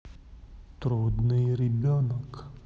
трудный ребенок